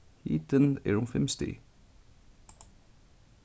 hitin er um fimm stig